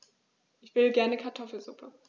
Ich will gerne Kartoffelsuppe.